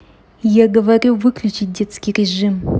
я говорю выключить детский режим